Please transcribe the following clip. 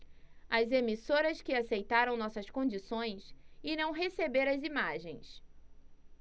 as emissoras que aceitaram nossas condições irão receber as imagens